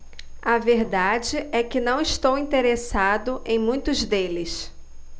a verdade é que não estou interessado em muitos deles